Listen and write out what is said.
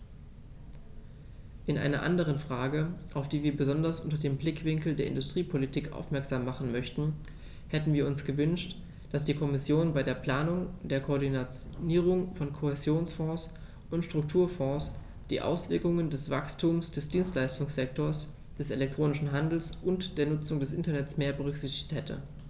In einer anderen Frage, auf die wir besonders unter dem Blickwinkel der Industriepolitik aufmerksam machen möchten, hätten wir uns gewünscht, dass die Kommission bei der Planung der Koordinierung von Kohäsionsfonds und Strukturfonds die Auswirkungen des Wachstums des Dienstleistungssektors, des elektronischen Handels und der Nutzung des Internets mehr berücksichtigt hätte.